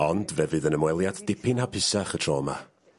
Ond fe fydd yn ymweliad dipyn hapusach y tro yma.